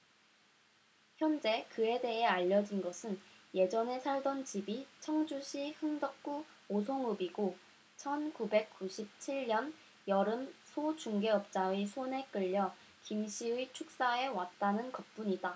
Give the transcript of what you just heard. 현재 그에 대해 알려진 것은 예전에 살던 집이 청주시 흥덕구 오송읍이고 천 구백 구십 칠 년 여름 소 중개업자의 손에 끌려 김씨의 축사에 왔다는 것뿐이다